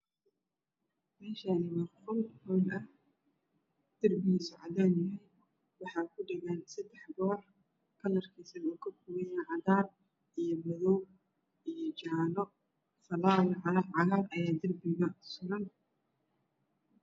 Meeshaan waa qol howl ah darbigiisa cadaan yahay waxaa ku dhagan saddex boor kalarkiisana wuxuu ka koobanyahay cagaar iyo madow iyo jaalle falaawar cagaar ayaa darbiga suran.